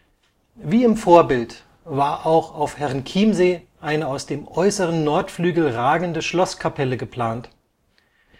Wie im Vorbild, war auch auf Herrenchiemsee eine aus dem äußeren Nordflügel ragende Schlosskapelle geplant. Die